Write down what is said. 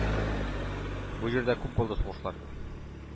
Бу җирдә күп булды сугышлар,